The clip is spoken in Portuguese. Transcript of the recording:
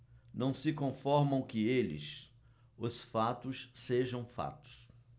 não se conformam que eles os fatos sejam fatos